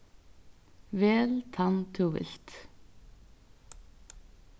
vel tann tú vilt